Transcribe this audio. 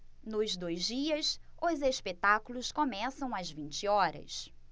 nos dois dias os espetáculos começam às vinte horas